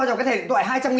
cái thẻ điện thoại hai trăm